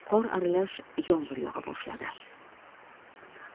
qor aralash yomg'ir yog'a boshladi